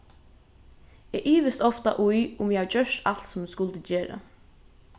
eg ivist ofta í um eg havi gjørt alt sum eg skuldi gera